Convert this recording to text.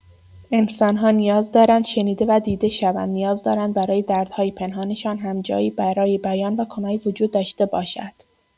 انسان‌ها نیاز دارند شنیده و دیده شوند، نیاز دارند برای دردهای پنهانشان هم جایی برای بیان و کمک وجود داشته باشد.